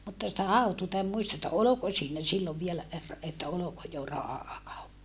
mutta sitä hautuuta en muista että oliko siinä silloin vielä - että oliko jo rahakauppa